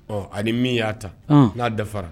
Ɔ ani min y'a ta n'a dafara